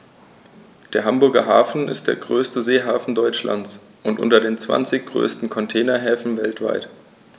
Der Hamburger Hafen ist der größte Seehafen Deutschlands und unter den zwanzig größten Containerhäfen weltweit.